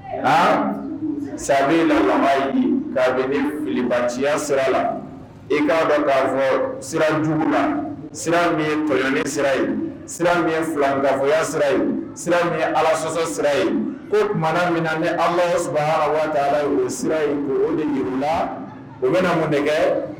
A san la k'a bɛ ne filibaciya sira la i k'a bɛ k'afɔ sira jugu la sira min ye tɔɲni sira ye sira min ye filankanfoya sira ye sira min ye ala sɔsɔ sira ye ko tumaumana min na ni ala saba waati taara o sira yen ko o de la u bɛna mun denkɛ kɛ